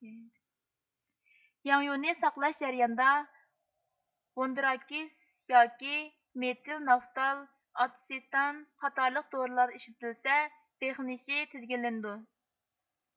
ياڭيۇنى ساقلاش جەريانىدا ۋوندراكىس ياكى مېتىل نافتال ئاتسېتان قاتارلىق دورىلار ئىشلىتىلسە بىخلىنىشى تىزگىنلىنىدۇ